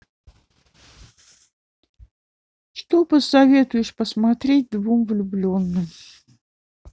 что посоветуешь посмотреть двум влюбленным